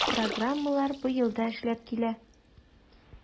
Программалар быел да эшләп килә.